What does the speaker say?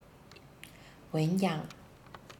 འོན ཀྱང